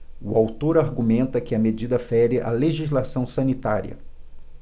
o autor argumenta que a medida fere a legislação sanitária